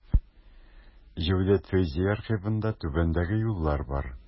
Җәүдәт Фәйзи архивында түбәндәге юллар бар.